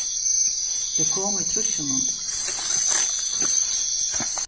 eg kom í trýssunum